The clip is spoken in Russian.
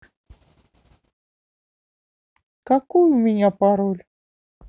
какой у меня пароль